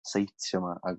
citeio 'ma ag